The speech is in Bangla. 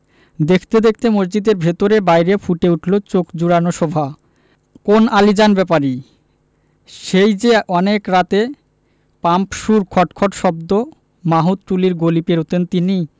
দেখতে দেখতে মসজিদের ভেতরে বাইরে ফুটে উঠলো চোখ জুড়োনো শোভা কোন আলীজান ব্যাপারী সেই যে অনেক রাতে পাম্পসুর খট খট শব্দ মাহুতটুলির গলি পেরুতেন তিনি